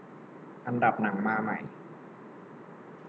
อันดับหนังมาใหม่